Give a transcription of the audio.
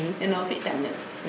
nene o fi tan nene